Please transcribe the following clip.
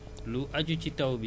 mais ci biir région de Louga